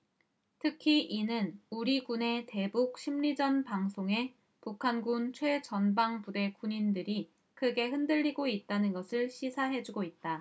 특히 이는 우리 군의 대북 심리전방송에 북한군 최전방부대 군인들이 크게 흔들리고 있다는 것을 시사해주고 있다